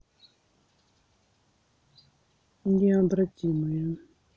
необратимые